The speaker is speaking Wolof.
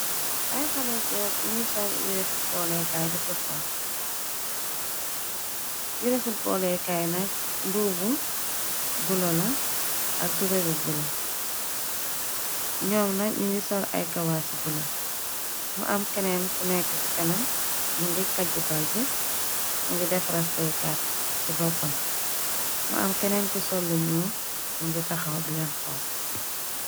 Ay xale goor ñyungi sol ay yire fuut booleekaay, yire fuut booleekaay yi nak mburbu bulo la ak tubey bi bulo ñoom na ñu ngi sol ay kawaas ci bulo. Mu am keneen ku nekk ci kanam mëngi kàjji balbi mëngi def rasta yi gatti ci boppam mu am keneen ku sol lu ñuul mëngi taxaw dileen xool.